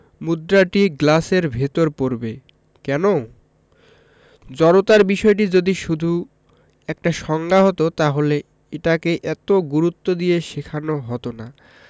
মুদ্রাটি গ্লাসের ভেতর পড়বে কেন জড়তার বিষয়টি যদি শুধু একটা সংজ্ঞা হতো তাহলে এটাকে এত গুরুত্ব দিয়ে শেখানো হতো না